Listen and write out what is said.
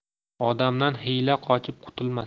odamdan hiyla qochib qutulmas